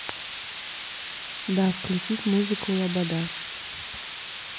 да включить музыку лобода